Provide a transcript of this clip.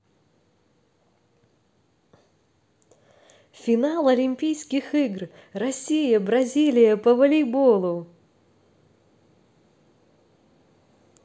финал олимпийских игр россия бразилия по волейболу